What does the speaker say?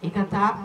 I ka taa